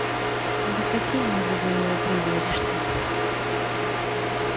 да каким образом его проверишь то